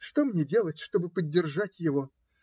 Что мне делать, чтобы поддержать его?